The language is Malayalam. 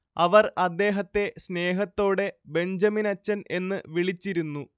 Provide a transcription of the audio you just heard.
അവർ അദ്ദേഹത്തെ സ്നേഹത്തോടെ ബെഞ്ചമിനച്ചൻ എന്ന് വിളിച്ചിരുന്നു